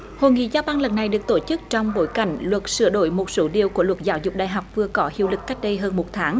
hội nghị giao ban lần này được tổ chức trong bối cảnh luật sửa đổi một số điều của luật giáo dục đại học vừa có hiệu lực cách đây hơn một tháng